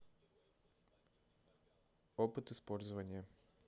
опыт использования